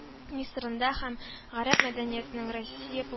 Мисырында һәм гарәп мәдәниятының Россия